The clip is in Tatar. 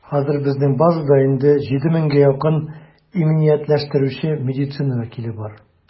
Хәзер безнең базада инде 7 меңгә якын иминиятләштерүче медицина вәкиле бар.